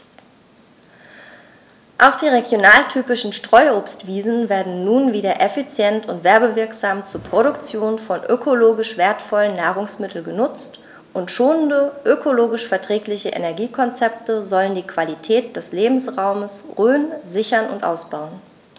Auch die regionaltypischen Streuobstwiesen werden nun wieder effizient und werbewirksam zur Produktion von ökologisch wertvollen Nahrungsmitteln genutzt, und schonende, ökologisch verträgliche Energiekonzepte sollen die Qualität des Lebensraumes Rhön sichern und ausbauen.